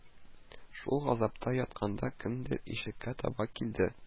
Шул газапта ятканда кемдер ишеккә таба килде